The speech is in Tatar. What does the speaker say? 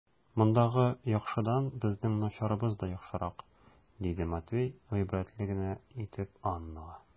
Мондагы яхшыдан безнең начарыбыз да яхшырак, - диде Матвей гыйбрәтле генә итеп Аннага.